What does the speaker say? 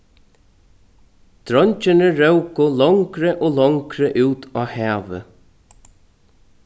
dreingirnir róku longri og longri út á havið